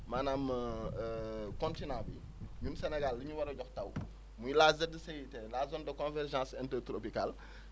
maanaam continent bi ñun Sénégal lu ñu war a jox taw muy la ZCIT la zone de convergeance inter tropicale